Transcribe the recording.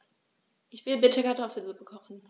Ich will bitte Kartoffelsuppe kochen.